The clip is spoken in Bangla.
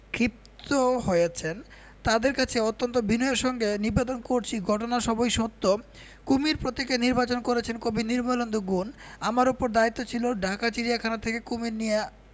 ক্ষিপ্ত হয়েছেন তাঁদের কাছে অত্যন্ত বিনয়ের সঙ্গে নিবেদন করছি ঘটনা সবই সত্য কুমীর প্রতীকে নির্বাচন করেছেন কবি নির্মলেন্দু গুণ আমার উপর দায়িত্ব ছিল ঢাকা চিড়িয়াখানা থেকে কুমীর নিয়ে